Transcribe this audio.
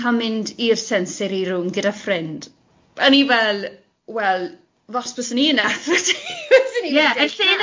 cael mynd i'r sensory room gyda ffrind, o'n i fel, wel, os fyswn i yna